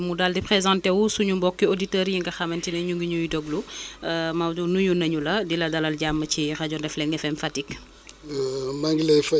ñu ngi koy dund changement climatique bi bon bu mën naa ci xuus mais bu doon sama sago dafay nekk li nga xam ni dañ koy jëlal benn émission énu mën ci ñu mën ci mën ci xuus bu baax quoi